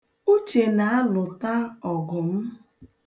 Uche na-alụta ọgụ m.